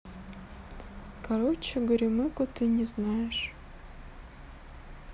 короче горемыку ты не знаешь